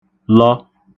lọ